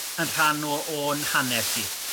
yn rhan o o'n hanes i